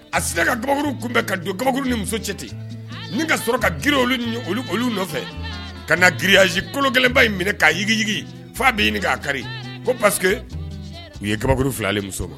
A sera ka kabamuru kun bɛ ka don kabakuru ni muso cɛti min ka sɔrɔ ka g olu ni olu nɔfɛ ka na giriz kolo kelenba in minɛ k'aiginigin fa bɛ' ɲini k'a kari ko parce u ye kabamuru filalen muso ma